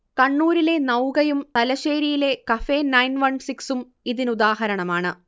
കണ്ണൂരിലെ നൗകയും തലശ്ശേരിയിലെ കഫേ നയൺ വൺ സിക്സും ഇതിനുദാഹരണമാണ്